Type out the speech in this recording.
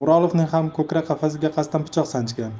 o'rolovning ham ko'krak qafasiga qasddan pichoq sanchgan